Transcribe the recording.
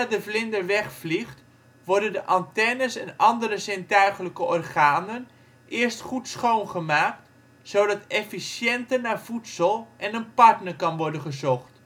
de vlinder wegvliegt worden de antennes en andere zintuiglijke organen eerst goed schoongemaakt zodat efficiënter naar voedsel en een partner kan worden gezocht